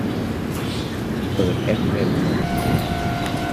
เปิดเอฟเอ็ม